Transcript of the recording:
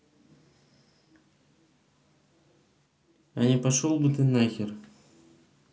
а не пошел бы ты нахер